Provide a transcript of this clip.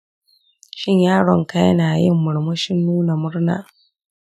shin yaronka yana yin murmushin nuna murna